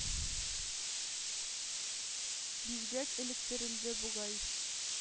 Бизгәк эләктерелде бугай,